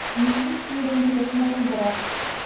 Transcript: Милли киеренкелекне кыздыра.